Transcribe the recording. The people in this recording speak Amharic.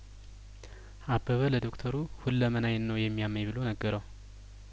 አበበለዶክተሩ ሁለመናዬን ነው የሚያመኝ ብሎ ነገረው